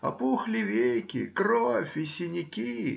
Опухли веки, кровь и синяки.